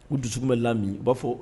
U dusu bɛ lammi u b'a fɔ